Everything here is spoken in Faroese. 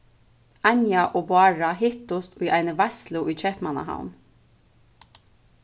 anja og bára hittust í eini veitslu í keypmannahavn